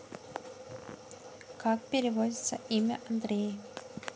как переводится имя андрей